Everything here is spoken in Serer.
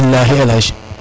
bilahi Elhaj